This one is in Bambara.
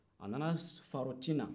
a nana farotina